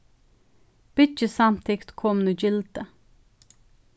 byggisamtykt komin í gildi